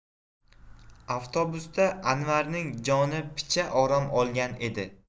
avtobusda anvarning joni picha orom olgan edi